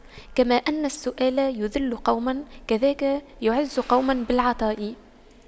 كما أن السؤال يُذِلُّ قوما كذاك يعز قوم بالعطاء